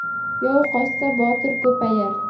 yov qochsa botir ko'payar